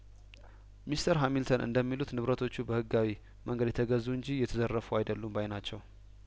ሚስትር ሀሚልተን እንደሚሉት ንብረቶቹ በህጋዊ መንገድ የተገዙ እንጂ የተዘረፉ አይደሉም ባይ ናቸው